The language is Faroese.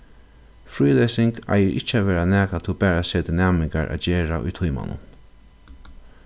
frílesing eigur ikki at vera nakað tú bara setir næmingar at gera í tímanum